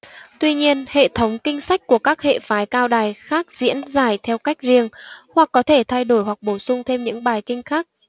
tuy nhiên hệ thống kinh sách của các hệ phái cao đài khác diễn giải theo cách riêng hoặc có thể thay đổi hoặc bổ sung thêm những bài kinh khác